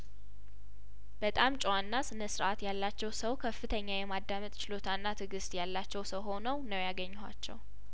በጣም ጨዋና ስነ ስርአት ያላቸው ሰው ከፍተኛ የማዳመጥ ችሎታና ትእግስት ያላቸው ሰው ሆነው ነው ያገኘኋቸው